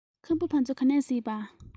ཁམ བུ ཕ ཚོ ག ནས གཟིགས པ